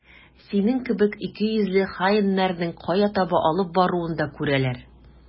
Синең кебек икейөзле хаиннәрнең кая таба алып баруын да күрәләр.